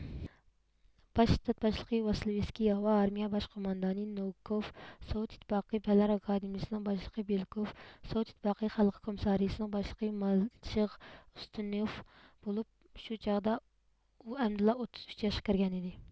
باش شتاب باشلىقى ۋاسلېيۋىسكىي ھاۋا ئارمىيە باش قوماندانى نوۋىكوف سوۋېت ئىتتىپاقى پەنلەر ئاكادېمىيىسىنىڭ باشلىقى بىلكوف سوۋېت ئىتتىپاقى خەلق كومسسارىئاتسنىڭ باشلىقى مالىشېغ ئۇستنوف بولۇپ شۇ چاغدا ئۇ ئەمدىلا ئوتتۇز ئۈچ ياشقا كىرگەنىدى